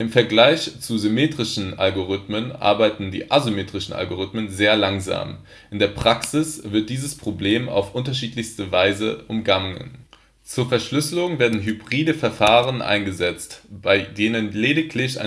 Vergleich zu symmetrischen Algorithmen arbeiten die asymmetrischen Algorithmen sehr langsam. In der Praxis wird dieses Problem auf unterschiedliche Weise umgangen. Zur Verschlüsselung werden hybride Verfahren eingesetzt, bei denen lediglich